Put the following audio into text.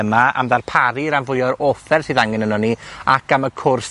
yma, am ddarparu ran fwya o'r offer sydd angen ano ni, ac am y cwrs